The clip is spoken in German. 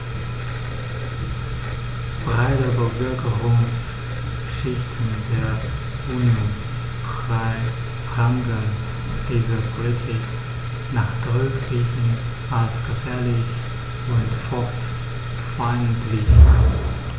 Breite Bevölkerungsschichten der Union prangern diese Politik nachdrücklich als gefährlich und volksfeindlich an.